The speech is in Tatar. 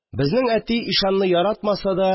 Безнең әти ишанны яратмаса да